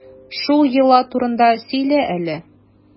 Шул йола турында сөйлә әле.